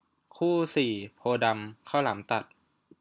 คู่สี่โพธิ์ดำข้าวหลามตัด